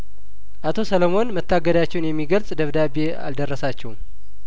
አቶ ሰለሞን መታገዳቸውን የሚገልጽ ደብዳቤ አልደረሳቸውም